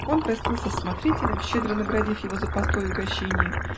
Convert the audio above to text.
Он простился с смотрителем, щедро наградив его за постой и угощение